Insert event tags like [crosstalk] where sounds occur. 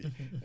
[hesitation] [hesitation]